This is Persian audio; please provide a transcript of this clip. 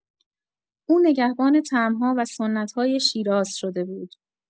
او نگهبان طعم‌ها و سنت‌های شیراز شده بود.